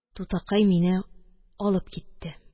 Тутакай мине алып китте